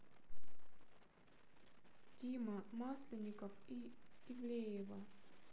дима масленников и ивлеева